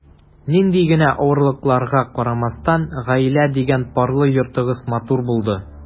Нинди генә авырлыкларга карамастан, “гаилә” дигән парлы йортыгыз матур булды.